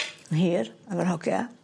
Yn hir efo'r hogia.